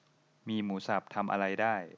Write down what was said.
มีหมูสับทำอะไรได้